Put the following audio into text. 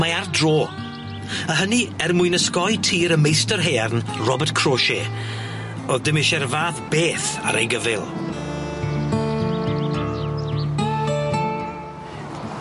Mae ar dro a hynny er mwyn osgoi tir y meistr haearn Robert Crauchete o'dd dim isie'r fath beth ar ei gyfyl.